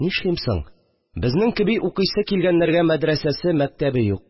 Нишлим соң, безнең кеби укойсы килгәннәргә мәдрәсәсе, мәктәбе юк